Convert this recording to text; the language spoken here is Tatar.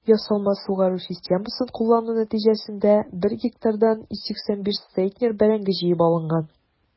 Ясалма сугару системасын куллану нәтиҗәсендә 1 гектардан 185 центнер бәрәңге җыеп алынган.